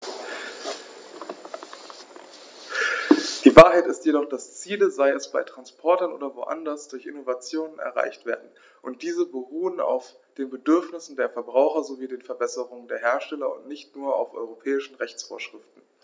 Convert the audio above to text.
Die Wahrheit ist jedoch, dass Ziele, sei es bei Transportern oder woanders, durch Innovationen erreicht werden, und diese beruhen auf den Bedürfnissen der Verbraucher sowie den Verbesserungen der Hersteller und nicht nur auf europäischen Rechtsvorschriften.